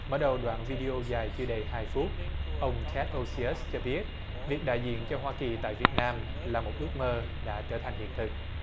mở đầu đoạn video dài chưa đầy hai phút ông két tô xi ớt cho biết việc đại diện cho hoa kỳ tại việt nam là một ước mơ đã trở thành hiện thực